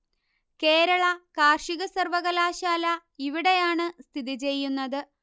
കേരള കാര്ഷിക സര്വ്വകലാശാല ഇവിടെയാണ് സ്ഥിതിചെയ്യുന്നത്